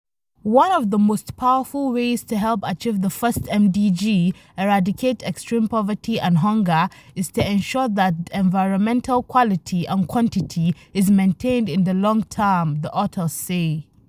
“One of the most powerful ways to help achieve the first MDG – eradicate extreme poverty and hunger – is to ensure that environmental quality and quantity is maintained in the long term,” the authors say.